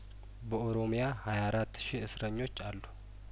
በኦሮምያ ሀያ አራት ሺ እስረኞች አሉ